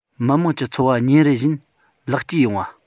མི དམངས ཀྱི འཚོ བ ཉིན རེ བཞིན ལེགས བཅོས ཡོང བ